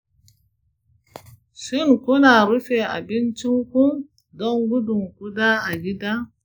shin kuna rufe abincinku don gudun kuda a gida?